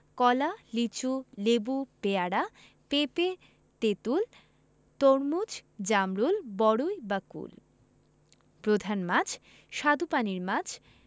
কলা লিচু লেবু পেয়ারা পেঁপে তেঁতুল তরমুজ জামরুল বরই বা কুল প্রধান মাছঃ স্বাদুপানির মাছ